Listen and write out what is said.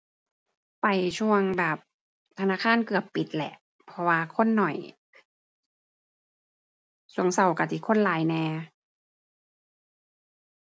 ไปช่วงแบบ ธนาคารเกือบปิดแหละ เพราะว่าคนน้อย ช่วงช่วงช่วงสิคนหลายแหน่